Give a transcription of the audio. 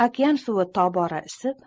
okean suvi tobora isib